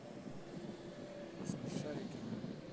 смешарики на